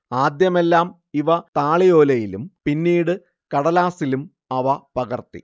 ആദ്യമെല്ലാം ഇവ താളിയോലയിലും പിന്നീട് കടലാസിലും അവ പകർത്തി